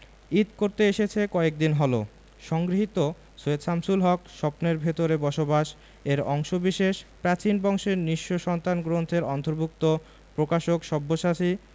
ঈদ করতে এসেছে কয়েকদিন হলো সংগৃহীত সৈয়দ শামসুল হক স্বপ্নের ভেতরে বসবাস এর অংশবিশেষ প্রাচীন বংশের নিঃস্ব সন্তান গ্রন্থের অন্তর্ভুক্ত প্রকাশকঃ সব্যসাচী